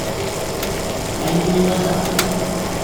An yi masa…